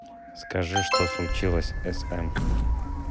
скажи что случилось с m